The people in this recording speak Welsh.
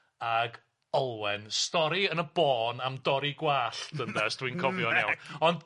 ag Olwen, stori yn y bôn am dorri gwallt ynde, os dwi'n cofio'n iawn. Ond...